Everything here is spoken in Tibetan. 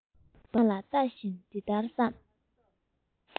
འབབ སྟངས ལ ལྟ བཞིན འདི ལྟར བསམ